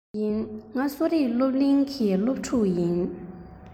ཡིན ང གསོ རིག སློབ གླིང གི སློབ ཕྲུག ཡིན